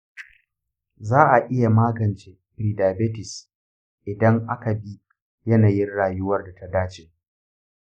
za a iya magance prediabetes idan aka bi yanayin rayuwar da ta dace.